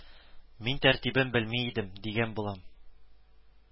Мин тәртибен белми идем, дигән булам